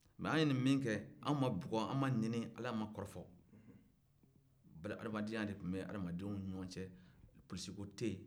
mɛ an ye ni min kɛ an ma bugɔ an ma nɛni hali an ma kɔrɔfɔ o bɛɛ la adamadenya de tun bɛ adamadenw ni ɲɔgɔn cɛ polisi ko tɛ yen